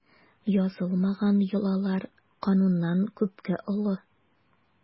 Язылмаган йолалар кануннан күпкә олы.